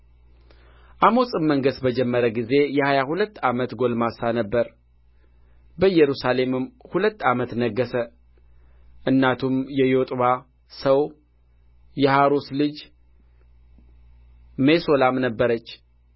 አሞጽም መንገሥ በጀመረ ጊዜ የሀያ ሁለት ዓመት ጕልማሳ ነበረ በኢየሩሳሌምም ሁለት ዓመት ነገሠ እናቱም የዮጥባ ሰው የሐሩስ ልጅ ሜሶላም ነበረች አባቱም ምናሴ እንዳደረገ በእግዚአብሔር ፊት ክፉ ሠራ